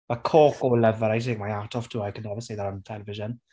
But Coco, love her. I take my hat off to her. I could never say that on television.